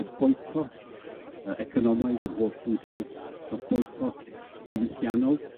Ma' boicot yy economaidd yn hollbwysig, ma' boicot diwylliannol.